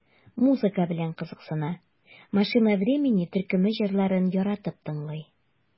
Музыка белән кызыксына, "Машина времени" төркеме җырларын яратып тыңлый.